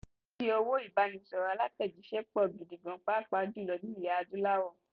Iye owó ìbánisọ̀rọ̀ alátẹ̀jíṣẹ́ pọ̀ gidi gan, pàápàá jùlọ ní ilẹ̀ Adúláwọ̀.